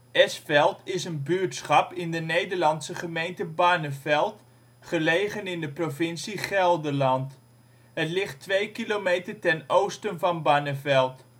Esveld is een buurtschap in de Nederlandse gemeente Barneveld, gelegen in de provincie Gelderland. Het ligt 2 kilometer ten oosten van Barneveld